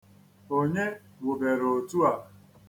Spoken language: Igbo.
Onye wubere otu a?